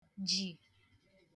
jị̀